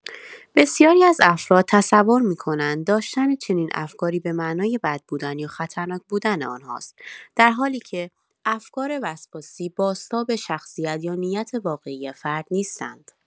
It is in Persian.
بسیاری از افراد تصور می‌کنند داشتن چنین افکاری به معنای بد بودن یا خطرناک بودن آن‌هاست، در حالی که افکار وسواسی بازتاب شخصیت یا نیت واقعی فرد نیستند.